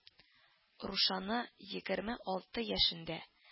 Рушаны егерме алты яшендә